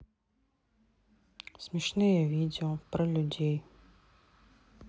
смешные видео про людей